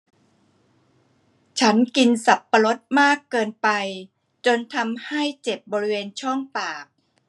ฉันกินสับปะรดมากเกินไปจนทำให้เจ็บบริเวณช่องปาก